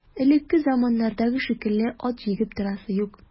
Элекке заманнардагы шикелле ат җигеп торасы юк.